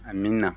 amiina